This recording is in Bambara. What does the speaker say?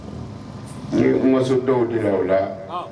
Ni maso dɔw de la o la